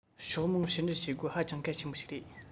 ཕྱོགས མང ཕྱི འབྲེལ བྱེད སྒོ ཧ ཅང གལ ཆེན པོ ཞིག རེད